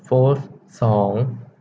โฟธสอง